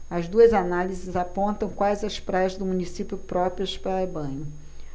as duas análises apontam quais as praias do município próprias para banho